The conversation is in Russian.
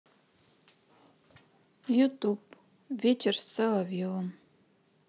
ютуб вечер с соловьевым